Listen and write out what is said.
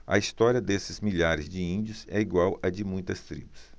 a história desses milhares de índios é igual à de muitas tribos